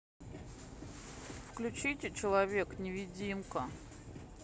включите человек невидимка